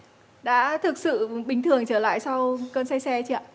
đã thực sự bình thường trở lại sau cơn say xe chưa ạ